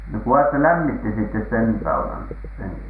no kukas sen lämmitti sitten sen saunan sen